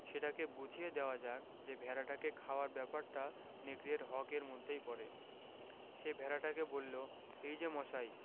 সেটাকে বুঝিয়ে দেওয়া যাক যে ভেড়াটাকে খাওয়ার ব্যাপারটা নেকড়ের হক এর মধ্যেই পড়ে সে ভেড়াটাকে বলল এই যে মশাই